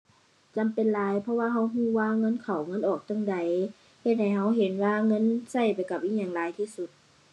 จำเป็นหลายเพราะว่าเราเราว่าเงินเข้าเงินออกจั่งใด เฮ็ดให้เราเห็นว่าเงินเราไปกับอิหยังหลายที่สุด